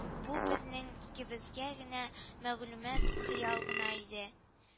Бу безнең икебезгә генә мәгълүм хыял гына иде